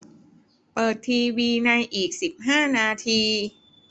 เปิดทีวีในอีกสิบห้านาที